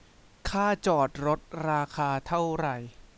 ค่าจอดรถราคาเท่าไหร่